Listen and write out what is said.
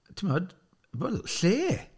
Timod, wel, lle?